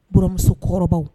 Buramuso kɔrɔbaww